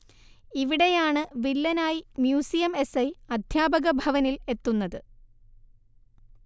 ഇവിടെയാണ് വില്ലനായി museum S I അദ്ധ്യാപകഭവനിൽ എത്തുന്നത്